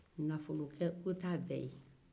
nafolo kɛ-ko tɛ a bɛ ye